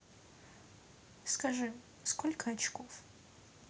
скажи сколько очков